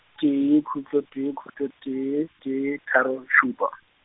tee, khutlo tee, khutlo tee, tee, tharo šupa.